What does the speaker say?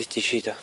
Ddudish i do?